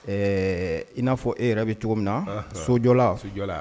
Ɛɛ i n'a fɔ e yɛrɛ bɛ cogo min na, Anhan, sojɔla